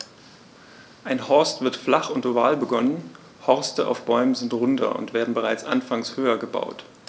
Ein Horst wird flach und oval begonnen, Horste auf Bäumen sind runder und werden bereits anfangs höher gebaut.